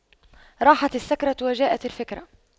راحت السكرة وجاءت الفكرة